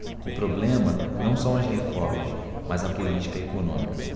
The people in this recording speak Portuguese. o problema não são as reformas mas a política econômica